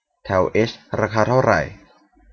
แถวเอชราคาเท่าไหร่